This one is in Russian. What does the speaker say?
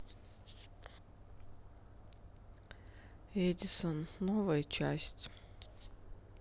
эдисон новая часть